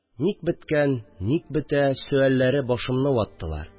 «ник беткән? ник бетә?» сөальләре башымны ваттылар